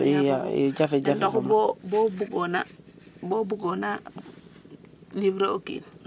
te texu bo bugona bo bugona livrer o kin